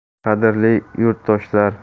qadrli yurtdoshlar